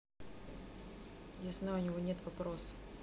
я знаю у него нет вопрос